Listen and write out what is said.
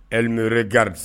Mere jaabiri